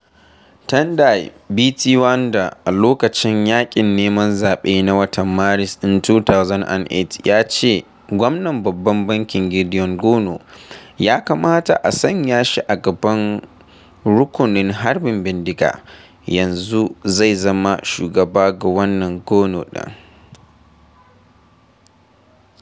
Tendai Biti wanda, a lokacin yaƙin neman zaɓe na watan Maris ɗin 2008 ya ce gwamnan Babban Banki Gideon Gono “ya kamata a sanya shi a gaban rukunin harbin bindiga,” yanzu zai zama shugaba ga wannan Gono ɗin.